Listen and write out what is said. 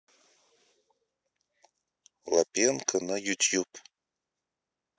лапенко на ютьюб